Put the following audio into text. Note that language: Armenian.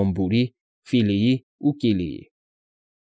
Բոմբուրի, Ֆիլիի ու Կիլիի։